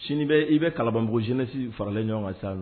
Sini bɛ i bɛ kalabanbonyɛsin faralen ɲɔgɔn kan sa